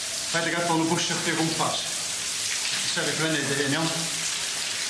Paid o gadal nw bwshio chdi o gwmpas. Ti sefyll fyny i dy hun iawn?